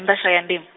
nda Shayandima.